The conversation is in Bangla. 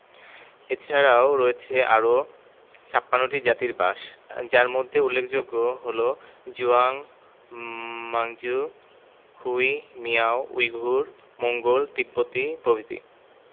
এছারাও রয়েছে আরও ৫৬ টি জাতির বাসযার মধ্যে উল্লেখযোগ্য হলো Zhuang Manchu Hui Miao Uyghur Mongol তিব্বতি প্রভৃতি